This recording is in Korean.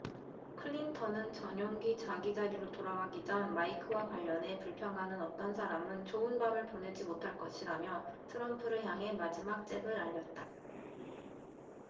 클린턴은 전용기 자기 자리로 돌아가기 전 마이크와 관련해 불평하는 어떤 사람은 좋은 밤을 보내지 못할 것이라며 트럼프를 향해 마지막 잽을 날렸다